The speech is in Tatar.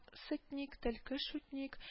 Сытник, төлке шутник